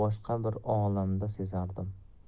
boshqa bir olamda sezardim